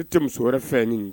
Ne tɛ muso wɛrɛ fɛ ɲini